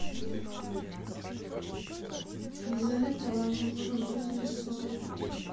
из за этого они будут жить в лесу